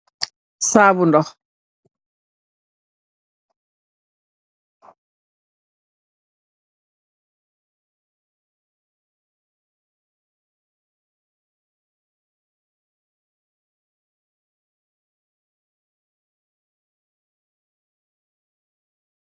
Li Saabu ndox